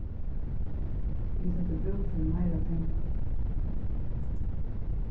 vit høvdu brúk fyri meira pengum